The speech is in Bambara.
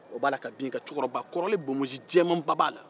o b'a la ka bin kan cɛkɔrɔba kɔrɔlen bonbonsijɛmaba b'a la